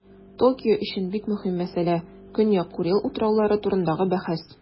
Токио өчен бик мөһим мәсьәлә - Көньяк Курил утраулары турындагы бәхәс.